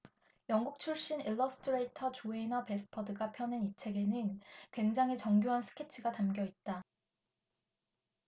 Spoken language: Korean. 영국 출신 일러스트레이터 조해너 배스퍼드가 펴낸 이 책에는 굉장히 정교한 스케치가 담겨 있다